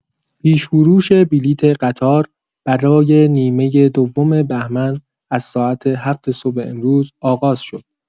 پیش‌فروش بلیت قطار برای نیمه دوم بهمن از ساعت ۷ صبح امروز آغاز شد.